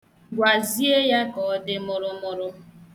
Gwazie ya ka ọ dị mụrụmụrụ.